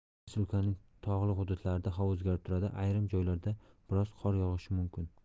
respublikaning tog'li hududlarida havo o'zgarib turadi ayrim joylarda biroz qor yog'ishi mumkin